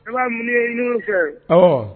Ala ye mun de ɲin'u fɛ?